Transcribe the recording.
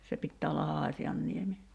se pitää olla Haasianniemi